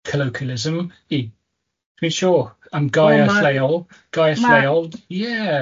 colloquialism i-, dwi'n siŵr, yn gair... Ma'... lleol, gair...Ma' lleol. Yeah.